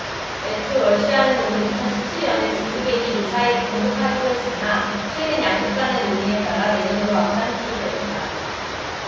애초 러시아는 오는 이천 십 칠 년에 중국에 이 미사일을 공급하기로 했으나 최근 양국 간의 논의에 따라 내년으로 앞당기기로 했다